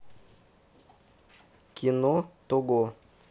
кино того